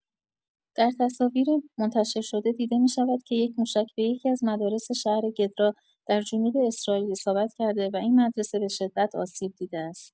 در تصاویر منتشر شده دیده می‌شود که یک موشک به یکی‌از مدارس شهر گدرا در جنوب اسرائیل اصابت کرده و این مدرسه به‌شدت آسیب‌دیده است.